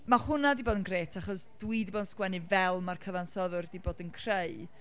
Ma' hwnna 'di bod yn grêt achos dwi 'di bod yn sgwennu fel ma’r cyfansoddwr 'di bod yn creu.